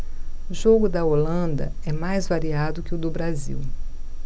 jogo da holanda é mais variado que o do brasil